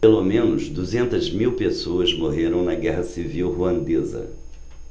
pelo menos duzentas mil pessoas morreram na guerra civil ruandesa